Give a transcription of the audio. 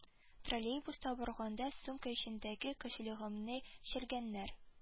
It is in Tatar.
Троллейбуста барганда сумка эчендәге кошелегымны чәлгәннәр